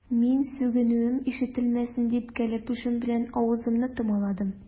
Мин, сүгенүем ишетелмәсен дип, кәләпүшем белән авызымны томаладым.